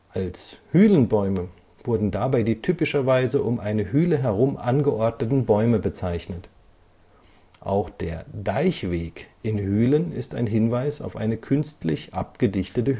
Als Hülenbäume wurden dabei die typischerweise um eine Hüle herum angeordneten Bäume bezeichnet. Auch der Deichweg in Hülen ist ein Hinweis auf eine künstlich abgedichtete